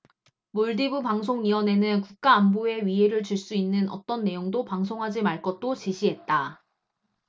몰디브 방송위원회는 국가안보에 위해를 줄 수 있는 어떤 내용도 방송하지 말 것도 지시했다